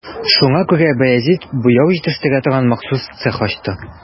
Шуңа күрә Баязит буяу җитештерә торган махсус цех ачты.